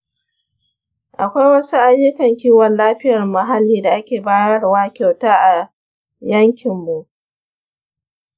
akwai wasu ayyukan kiwon lafiyar muhalli da ake bayarwa kyauta a yankinmu?